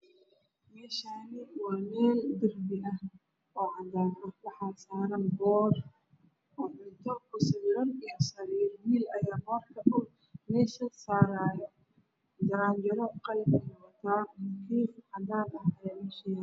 Meshani waa mel dirbi ah oo cadan ah waxsaran boor oo cunto kusawiran io sariir wll aya mesha saraayo boorka jarjaro qalin ah oow wata geed cadan ah aya mesh yalo